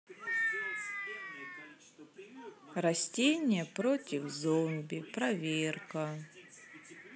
растения против зомби проверка